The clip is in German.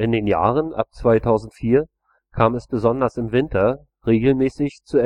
den Jahren ab 2004 kam es besonders im Winter regelmäßig zu